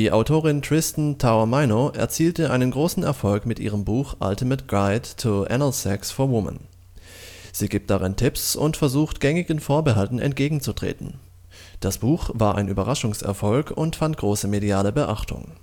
Autorin Tristan Taormino erzielte einen großen Erfolg mit ihrem Buch Ultimate Guide to Anal Sex for Women. Sie gibt darin Tips und versucht gängigen Vorbehalten entgegenzutreten. Das Buch war ein Überraschungserfolg und fand große mediale Beachtung